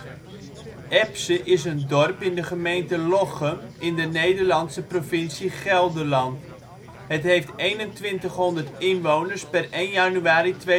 Epse is een dorp in de gemeente Lochem in de Nederlandse provincie Gelderland. Het heeft 2100 inwoners (1 januari 2009